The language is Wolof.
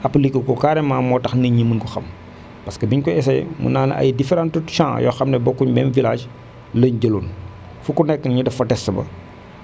appliqué ko carrement moo tax nit ñi mun ko xam parce que bi ñu koy essayé mun naa ne ay différents camps yoo xam ne bokkuñ même village lañ jëloon fu ku nekk ñu def fa test ba